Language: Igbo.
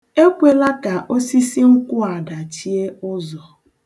Ekwela ka osisi nkwụ a dachie ụzọ.